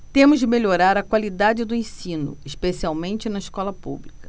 temos de melhorar a qualidade do ensino especialmente na escola pública